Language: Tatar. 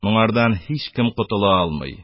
Моңардан һичкем котыла алмый.